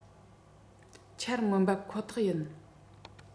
ཆར མི འབབ ཁོ ཐག ཡིན